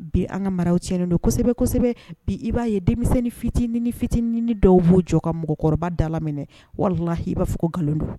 Bi an ka maraw cɛnnen don kosɛbɛ, kosɛbɛ. Bi i b'a ye denmisɛnnin fitinini fitinini dɔw b'u jɔ ka mɔgɔkɔrɔba dalaminɛ walahi i b'a fɔ ko nkalon don.